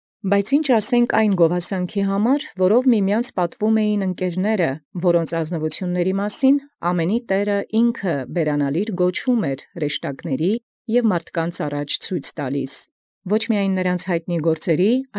Բայց զի՞նչ ասիցեմք զզուգականացն զառ ի միմեանց պատուեալ զգովութիւնս, զորոց և Տէրն իսկ ամենայնի՝ բերանալիր գոչէր զազնուականութիւնսն, ոչ միայն զյանդիմանական գործոյն,